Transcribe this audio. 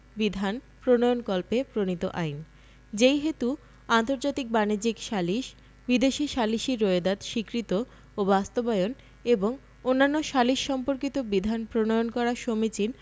বিধান প্রণয়নকল্পে প্রণীত আইন যেইহেতু আন্তর্জাতিক বাণিজ্যিক সালিস বিদেশী সালিসী রোয়েদাদ স্বীকৃত ও বাস্তবায়ন এবং অন্যান্য সালিস সম্পর্কিত বিধান প্রণয়ন করা সমীচীন